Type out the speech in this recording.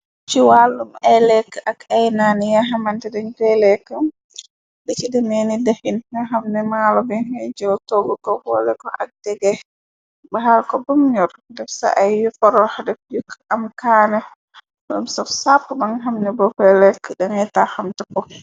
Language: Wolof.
Ci wàllum ay lekk ak ay naani ya xamante dañu releek bi ci demeeni dexin nga xamne maalo bi ngay jë togg ko woole ko ak jege baxal ko bëm ñor def sa ay yu foroox def jukk am kaane oom saf sàppu bangaxamne bokuylekk dangay taxamteko.